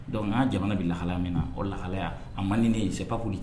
Dɔnku'a jamana bɛ lahaya min na o lahaya a man ne ye sepfu ci